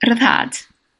Ryddhad.